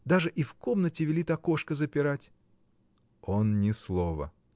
Даже и в комнате велит окошко запирать. Он ни слова.